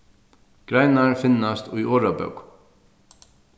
greinar finnast í orðabókum